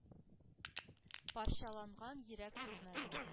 Парчаланган йөрәк түзмәде.